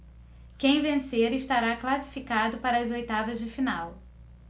quem vencer estará classificado para as oitavas de final